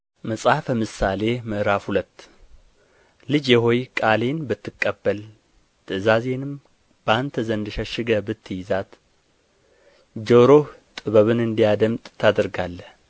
መጽሐፈ ምሳሌ ምዕራፍ ሁለት ልጄ ሆይ ቃሌን ብትቀበል ትእዛዜንም በአንተ ዘንድ ሸሽገህ ብትይዛት ጆሮህ ጥበብን እንዲያደምጥ ታደርጋለህ